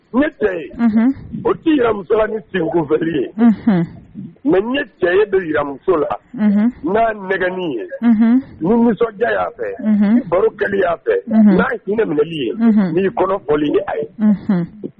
Ne cɛ ye o tɛimusosala ni senko vri ye mɛ ne cɛ ye donmuso la n'a nɛgɛgɛnni ye ni nisɔndiya y'a fɛ barokɛli y'a fɛ n'a ye hinɛ minɛli ye ni kɔnɔ bɔli ye a ye